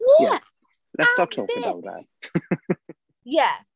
Ie, am be... Let's not talk about it.... Ie.